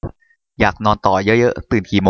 อยากนอนต่อเยอะเยอะตื่นกี่โมงดี